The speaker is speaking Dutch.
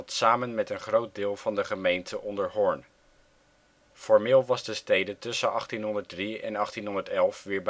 samen met een groot deel van de gemeente onder Hoorn. Formeel was de stede tussen 1803 en 1811 weer bij